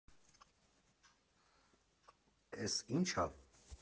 Էս ի՞նչ ա։